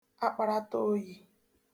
akparataoyi